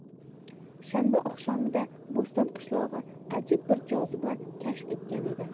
shanba oqshomida bo'ston qishlog'i ajib bir joziba kashf etgan edi